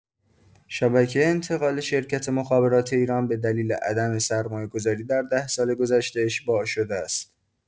شبکه انتقال شرکت مخابرات ایران بدلیل عدم سرمایه‌گذاری در ۱۰ سال‌گذشته اشباع شده است.